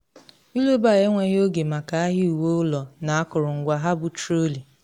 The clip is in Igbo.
Willoughby enweghị oge maka ahịa uwe ụlọ na akụrụngwa ha bụ Truly.